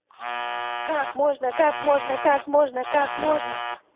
как можно как можно как можно как можно как можно